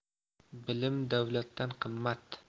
bilim davlatdan qimmat